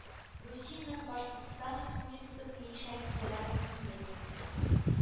Русиянең Башкортстан Республикасы буенча Федераль иминлек